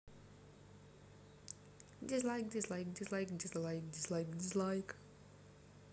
дизлайк дизлайк дизлайк дизлайк дизлайк дизлайк